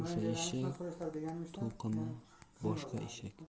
eshak to'qimi boshqa eshak